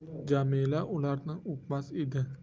jamila ularni o'pmas edi